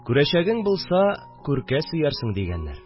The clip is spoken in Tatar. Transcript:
Күрәчәгең булса күркә сөярсең, дигәннәр